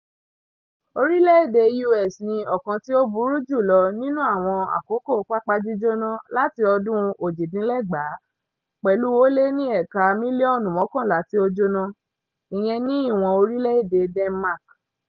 Orílè-èdè US ní ọ̀kan tí ó burú jù lọ nínú àwọn àkókò pápá jíjónà láti ọdún 1960, pẹ̀lú ó lé ní éékà 11 mílíọ̀nù tí ó jóná (ìyẹn ní ìwọ̀n orílẹ̀ èdè Denmark).